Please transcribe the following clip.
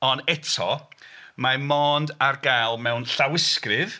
Ond eto, mae mond ar gael mewn llawysgrif.